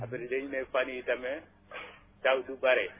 après day ne fan yii tamit taw du bare